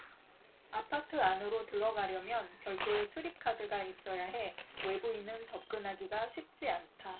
아파트 안으로 들어가려면 별도의 출입카드가 있어야 해 외부인은 접근하기가 쉽지 않다